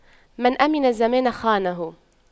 من أَمِنَ الزمان خانه